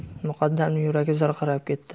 muqaddamning yuragi zirqirab ketdi